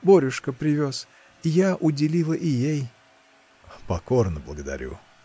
Борюшка привез — я уделила и ей. — Покорно благодарю!